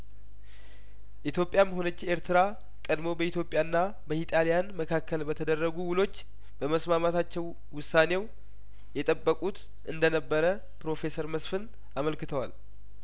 ኢትዮጵያም ሆነች ኤርትራ ቀድሞ በኢትዮጵያ ና በኢጣሊያን መካከል በተደረጉውሎች በመስማማታቸው ውሳኔው የጠበቁት እንደነበረ ፕሮፌሰር መስፍን አመልክተዋል